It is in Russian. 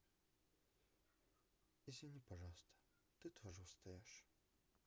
извини пожалуйста ты тоже устаешь